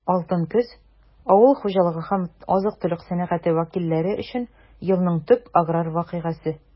«алтын көз» - авыл хуҗалыгы һәм азык-төлек сәнәгате вәкилләре өчен елның төп аграр вакыйгасы.